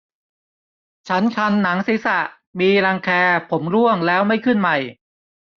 ฉันคันหนังศีรษะมีรังแคผมร่วงแล้วไม่ขึ้นใหม่